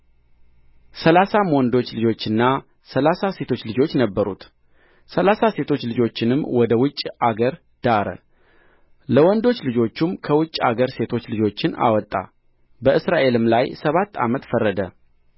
ሠላሳም ወንዶች ልጆችና ሠላሳ ሴቶች ልጆች ነበሩት ሠላሳ ሴቶች ልጆቹንም ወደ ውጭ አገር ዳረ ለወንዶች ልጆቹም ከውጭ አገር ሴቶች ልጆችን አመጣ በእስራኤልም ላይ ሰባት ዓመት ፈረደ